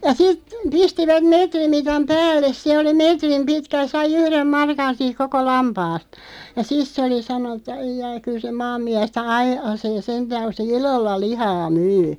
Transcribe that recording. ja sitten pistivät metrimitan päälle se oli metrin pitkä ja sai yhden markan siinä koko lampaasta ja sitten se oli sanonut että ai ai kyllä se maanmiestä aiasee sentään kun se ilolla lihaa myy